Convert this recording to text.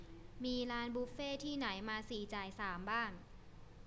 มีร้านบุฟเฟต์ที่ไหนมาสี่จ่ายสามบ้าง